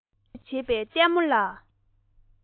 ཁ རྩོད བྱེད པའི ལྟད མོ ལ